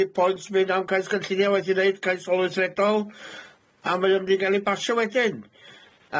'di point myn' am cais gynllunia' wedi neud cais olwydredol a mae o mynd i ga'l ei basio wedyn.